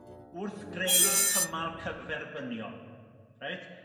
wrth greu cymal cyferbyniol reit